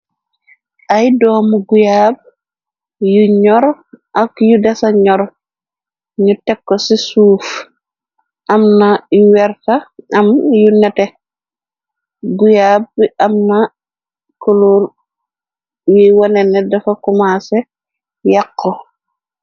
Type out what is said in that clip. Ay doomu guyaab yu ñor ak yu desa ñor ñu tekko ci suuf am na ywerta am yu nete guyaab bi am na kulur yuy wonene dafa kumase yaqo.